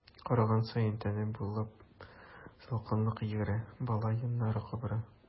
Караган саен тәне буйлап салкынлык йөгерә, бала йоннары кабара.